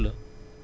dëgg la